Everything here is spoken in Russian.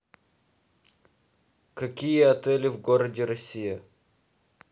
какие отели в городе россия